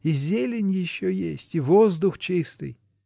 — И зелень еще есть, и воздух чистый.